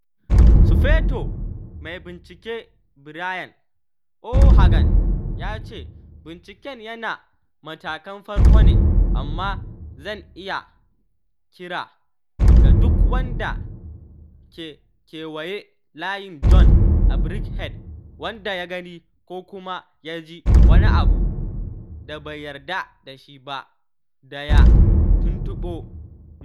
Sufeto Mai Bincike Brian O'Hagan ya ce: ‘Binciken yana matakan farko ne amma zan yi kira ga duk wanda ke kewayen Layin John a Birkenhead wanda ya gani ko kuma ya ji wani abu da bai yarda da shi ba da ya tuntuɓe mu.